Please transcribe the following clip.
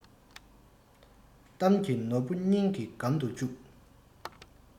གཏམ གྱི ནོར བུ སྙིང གི སྒམ དུ བཅུག